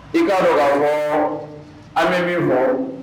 I kaa dɔn bɔ an bɛ min fɔ